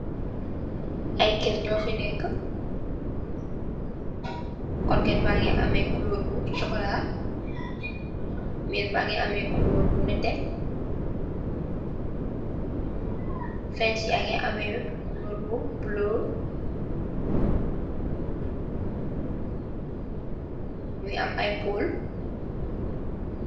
Ayyy gel nyofi nekk korget bangi ameh kuloor bu chokola miir bangi ameh kuloor bu nete fence yangi ameh kuloor bu bulo mungi am ay pol